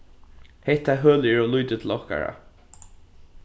hetta hølið er ov lítið til okkara